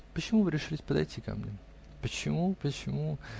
Почему вы решились подойти ко мне? -- Почему? почему?